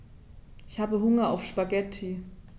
Ich habe Hunger auf Spaghetti.